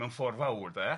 mewn ffordd fawr, 'de?